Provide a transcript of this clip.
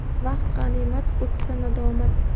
vaqt g'animat o'tsa nadomat